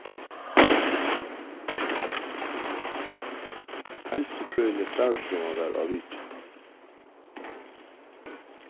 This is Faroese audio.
heilsufrøðiliga starvsstovan var á vitjan